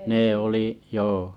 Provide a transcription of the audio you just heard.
ne oli joo